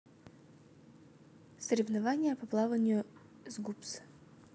соревнования по плаванию сгупс